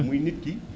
muy nit ki